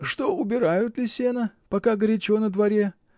— Что, убирают ли сено, пока горячо на дворе?